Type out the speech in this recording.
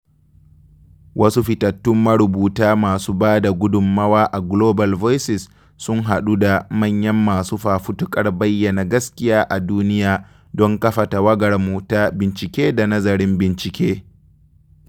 Wasu fitattun marubuta masu ba da gudunmawa a Global Voices sun haɗu da manyan masu fafutukar bayyana gaskiya a duniya don kafa tawagarmu ta bincike da nazarin bincike.